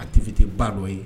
A tɛfiti ba dɔ ye